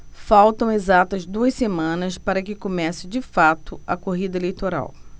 faltam exatas duas semanas para que comece de fato a corrida eleitoral